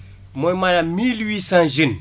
mooy maanaam mille huit cent jeunes